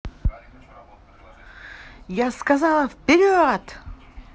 я сказала вперед